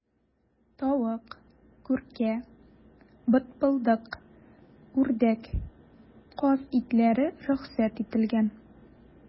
Тавык, күркә, бытбылдык, үрдәк, каз итләре рөхсәт ителгән.